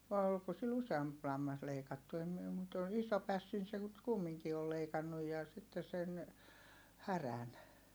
vai oliko sillä useampi lammas leikattu en minä mutta tuon ison pässin se nyt kumminkin oli leikannut ja sitten sen härän